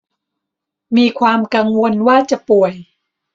มีความกังวลว่าจะป่วย